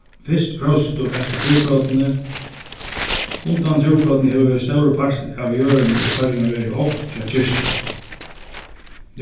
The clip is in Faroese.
fyrst próstur trúbótini undan trúbótini hevur verið stórur partur av jørðini í føroyum verið ogn hjá kirkjuni